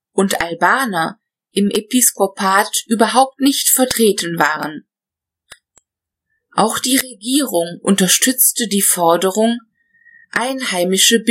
und Albaner im Episkopat überhaupt nicht vertreten waren. Auch die Regierung unterstützte die Forderung, einheimische